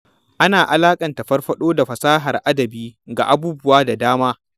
Ana alaƙanta farfaɗo da fasahar adabi ga abubuwa da dama.